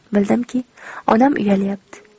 bildimki onam uyalyapti